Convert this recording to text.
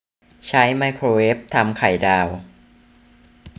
ใช้ไมโครเวฟทำไข่ดาว